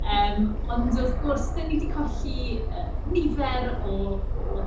Yym, ond wrth gwrs, dan ni 'di colli yy nifer o o...